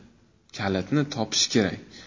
kalitni toppish kerak